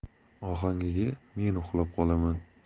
ohangiga men uxlab qolaman